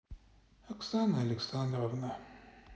оксана александровна